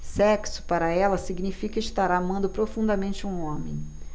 sexo para ela significa estar amando profundamente um homem